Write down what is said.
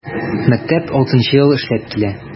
Мәктәп 6 нчы ел эшләп килә.